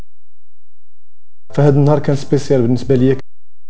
فهد مركز بيسيل